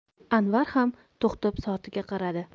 anvar ham to'xtab soatiga qaradi